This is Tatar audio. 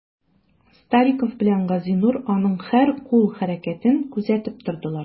Стариков белән Газинур аның һәр кул хәрәкәтен күзәтеп тордылар.